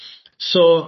So